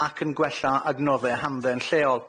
ac yn gwella adnodde hamdden lleol.